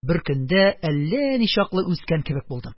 Бер көндә әллә ничаклы үскән кебек булдым: